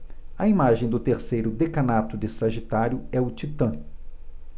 a imagem do terceiro decanato de sagitário é o titã